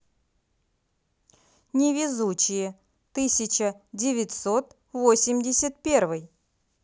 невезучие тысяча девятьсот восемьдесят первый